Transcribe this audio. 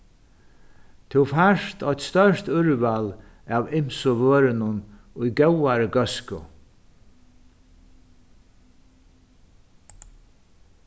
tú fært eitt stórt úrval av ymsu vørunum í góðari góðsku